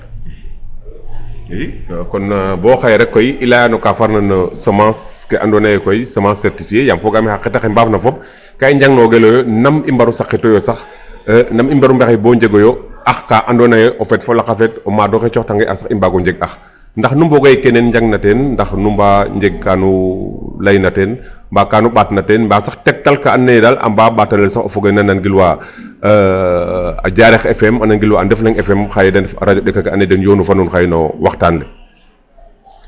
II kon bo xaye rek koy i laya no ka farna no semence ke andoona yee koy semence certifiée yaam fogaam ee xa qiid axe mbaafna fop ka njangnoogelooyo nam i mbaru saqitooyo sax nam i mbaru mbexey bo njegooyo ax ka andoona yee o feet fo laqa feet o maad oxe cooxtanga ax sax i mbaag o njeg ax ndax nu mbooga yee kene nu njangna teen ndax nu mbaa njeg ka nu layna teen mbaa kan u ɓaatna teen mbaa sax tektal'a andna yee daal a mbaa ɓatelooyo sax o fog ole naa nangilwaa a Diarekh FM a nangilwaa a Ndef Leng FM xaye den ndef a radio ɗik aka andoona yee den yoonu fa nuun xaye ni waxtaan le .